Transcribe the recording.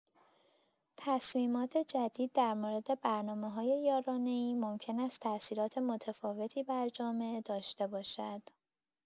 تصمیمات جدید در مورد برنامه‌‌های یارانه‌ای ممکن است تأثیرات متفاوتی بر جامعه داشته باشد.